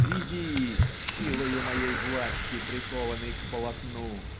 Приди, силою моей власти прикованный к полотну.